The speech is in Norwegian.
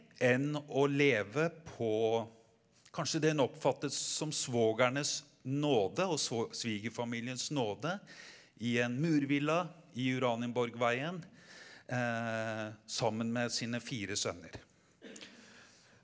enn å leve på kanskje det hun oppfatter som svogernes nåde og svigerfamiliens nåde i en murvilla i Uraniunborgveien sammen med sine fire sønner.